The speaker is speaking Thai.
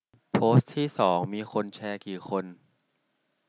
โพสต์ที่สองมีคนแชร์กี่คน